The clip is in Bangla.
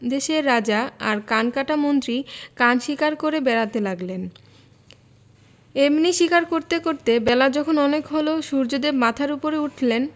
দেশের রাজা আর কান কাটা মন্ত্রী কান শিকার করে বেড়াতে লাগলেন এমনি শিকার করতে করতে বেলা যখন অনেক হল সূর্যদেব মাথার উপর উঠলেন